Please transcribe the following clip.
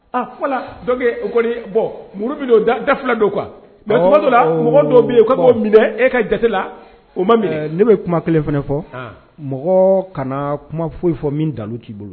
A fɔ la donc .muru min de, da 2 de quoi . Ɔɔ bon mais tuma dɔ la mɔgɔ dɔw bɛ yen k'a b'ɔ minɛ e ka jate la, o ma minɛ. Ne bɛ kuma 1 fana fɔ, mɔgɔ kana kuma foyi fɔ min dalu t'i bolo.